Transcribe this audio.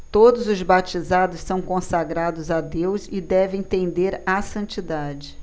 todos os batizados são consagrados a deus e devem tender à santidade